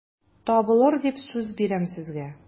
Табылыр дип сүз бирәм сезгә...